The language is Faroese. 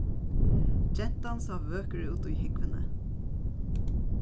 gentan sá vøkur út í húgvuni